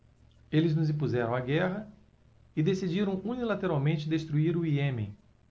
eles nos impuseram a guerra e decidiram unilateralmente destruir o iêmen